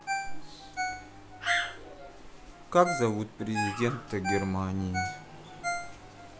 как зовут президента германии